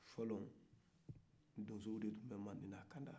fɔlɔ donsow dɛ tun bɛ manden lakanda